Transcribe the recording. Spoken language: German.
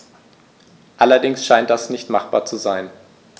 Allerdings scheint das nicht machbar zu sein.